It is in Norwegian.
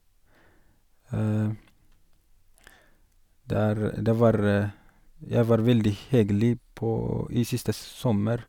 det er det var Jeg var veldig kjedelig på i siste sommer.